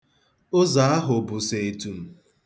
Ụzọ ahụ bụ sọ etum.